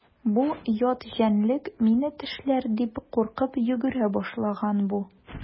Бу ят җәнлек мине тешләр дип куркып йөгерә башлаган бу.